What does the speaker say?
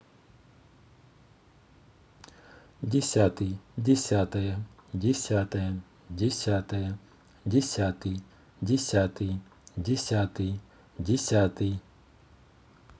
десятый десятое десятое десятое десятый десятый десятый десятый